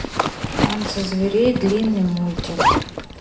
танцы зверей длинный мультик